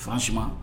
Fasi